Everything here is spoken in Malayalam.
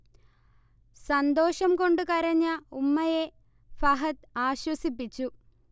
സന്തോഷം കൊണ്ടു കരഞ്ഞ ഉമ്മയെ ഫഹദ് ആശ്വസിപ്പിച്ചു